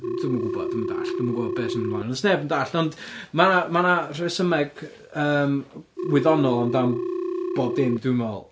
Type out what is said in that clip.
dwi'm yn gwybod, dwi'm yn dalld, dwi'm yn gwybod be' sy'n mynd ymlaen ond does 'na neb yn dalld, ond ma' 'na ma' 'na rhesymeg yym wyddonol amdan bod dim 'dwi 'n meddwl.